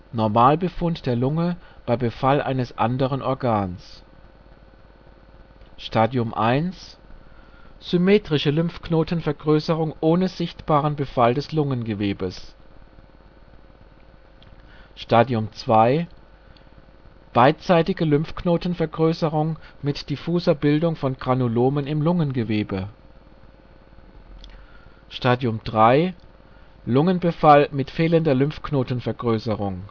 Normalbefund der Lunge bei Befall eines anderen Organs Stadium I: symmetrische Lymphknotenvergrößerung ohne sichtbaren Befall des Lungengewebes Stadium II: beidseitige Lymphknotenvergrößerung mit diffuser Bildung von Granulomen im Lungengewebe Stadium III: Lungenbefall mit fehlender Lymphknotenvergrößerung